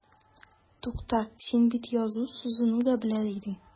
Тукта, син бит язу-сызуны да белә идең.